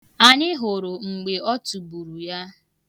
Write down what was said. Anyị hụrụ mgbe ọ tugburu ya.